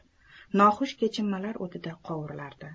noxush kechinmalar o'tida qovurilardi